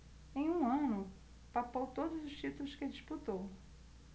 em um ano papou todos os títulos que disputou